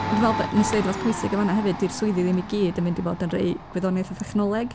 Ond fel be- wnest ti ddweud rhywbeth pwysig yn fan'na hefyd. 'Di'r swyddi ddim i gyd yn mynd i fod yn rhai gwyddoniaeth a thechnoleg.